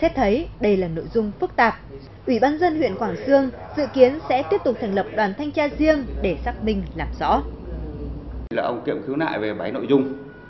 xét thấy đây là nội dung phức tạp ủy ban dân huyện quảng xương dự kiến sẽ tiếp tục thành lập đoàn thanh tra riêng để xác minh làm rõ ông kiệm khiếu nại về bảy nội dung